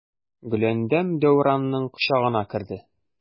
Гөләндәм Дәүранның кочагына керде.